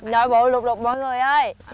nội bộ lục đục mọi người ơi